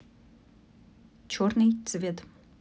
черный цвет